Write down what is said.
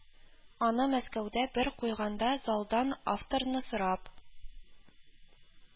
Аны мәскәүдә бер куйганда залдан авторны сорап